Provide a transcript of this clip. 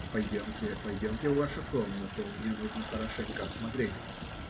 - Пойдемте, пойдемте в вашу комнату; мне нужно хорошенько осмотреть вас.